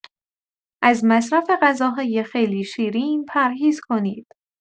از مصرف غذاهای خیلی شیرین پرهیز کنید.